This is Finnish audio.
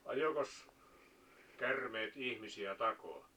ajoikos käärmeet ihmisiä takaa